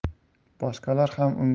boshqalar ham unga